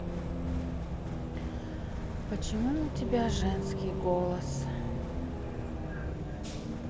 почему у тебя женский голос